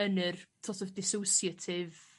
yn yr so't of dissociative